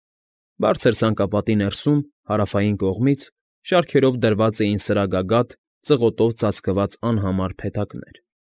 Բարձր ցանկապատի ներսում, հարավային կողմից, շարքերով դրված էին սրագագաթ, ծղոտով ծածկված անհամար փեթակներ։